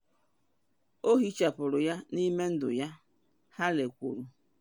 “O hichapụrụ ya na ndụ ya,” Hale kwuru.